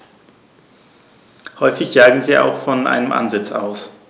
Häufig jagen sie auch von einem Ansitz aus.